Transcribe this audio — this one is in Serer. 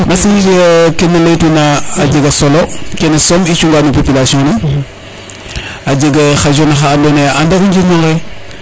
merci kene nu ley tuna a jega solo kene soom i cunga no population ne a jega xa jeune axa ando naye a anda o njirño nge